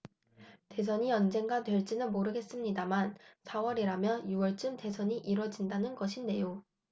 대선이 언제가 될지는 모르겠습니다만 사 월이라면 유 월쯤 대선이 이뤄진다는 것인데요